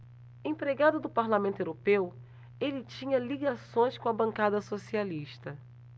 empregado do parlamento europeu ele tinha ligações com a bancada socialista